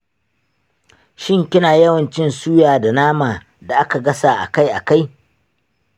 shin kina yawan cin suya da nama da aka gasa akai-akai?